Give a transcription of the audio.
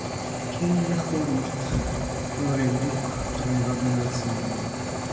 Ինը խորհուրդ նորելուկ ռեյվագնացներին։